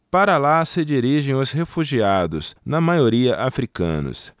para lá se dirigem os refugiados na maioria hútus